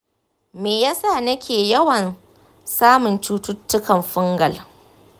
me ya sa nake yawan samun cututtukan fungal ?